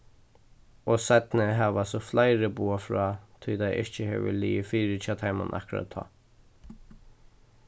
og seinni hava so fleiri boðað frá tí tað ikki hevur ligið fyri hjá teimum akkurát tá